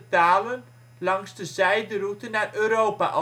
talen langs de Zijderoute naar Europa